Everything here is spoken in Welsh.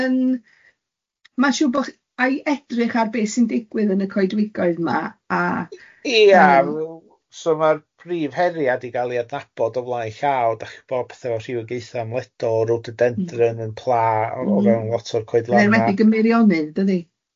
yn ma siwr bo- ai edrych ar be sy'n digwydd yn y coedwigoedd ma a... Ia rw so ma rhw a prif heriad i gael ei adnabod o flaenllaw dach chi'n gwybod, pethe efo rhywogaethau ymledo, rhododendron yn pla o fewn lot o'r coedlanna. M-hm. Yn enwedig y meirionyn dydi?